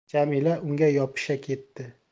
jamila unga yopisha ketdi